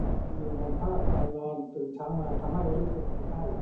ลืมห่มผ้าตอนนอนตื่นเช้ามาทำให้รู้สึกมาไข้